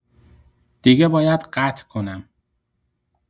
دیگه باید قطع کنم.